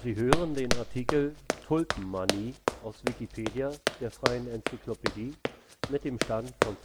hören den Artikel Tulpenmanie, aus Wikipedia, der freien Enzyklopädie. Mit dem Stand vom